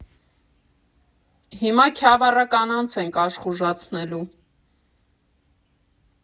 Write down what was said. Հիմա Քյավառա կանանց ենք աշխուժացնելու։